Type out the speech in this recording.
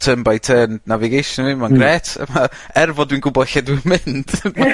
turn by turn navigation mewn ma'n grêt. A ma' er fod dwi'n gwybo lle dwi'n mynd ...